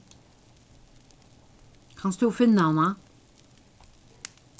kanst tú finna hana